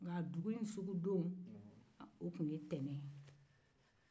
nka ntɛnɛn tun y'a dugu in sugudon ye